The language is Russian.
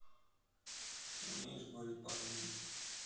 ты умеешь говорить по английски